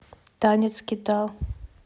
танец кита